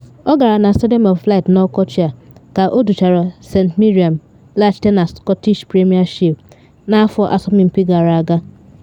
Ọ gara na Stadium of Light n’ọkọchị a ka o duchara St Mirren laghachite na Scottish Premiership n’afọ asọmpi gara aga.